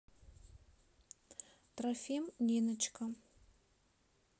трофим ниночка